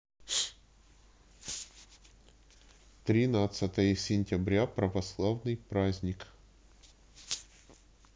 тринадцатое сентября православный праздник